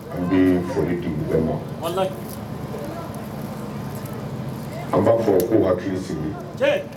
N bɛ foli dugu bɛɛ ma a b'a fɔ ko hakili sigi